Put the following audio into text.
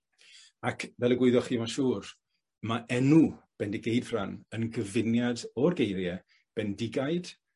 ac fel y gwyddoch chi ma'n siŵr ma' enw Bendigeidfran yn gyfuniad o'r geirie bendigaid